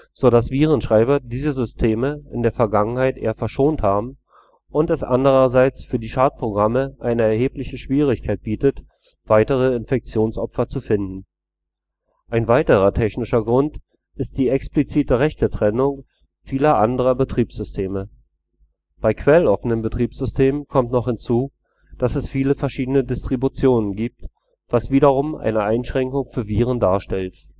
sodass Virenschreiber diese Systeme in der Vergangenheit eher verschont haben und es andererseits für die Schadprogramme eine erhebliche Schwierigkeit bietet, weitere Infektionsopfer zu finden. Ein weiterer, technischer Grund ist die explizite Rechtetrennung vieler anderer Betriebssysteme. Bei quelloffenen Betriebssystemen kommt noch hinzu, dass es viele verschiedene Distributionen gibt, was wiederum eine Einschränkung für Viren darstellt